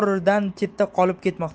e'tibor idan chetda qolib ketmoqda